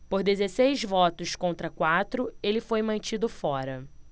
por dezesseis votos contra quatro ele foi mantido fora